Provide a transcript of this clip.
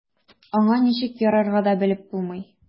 Аңа ничек ярарга да белеп булмый.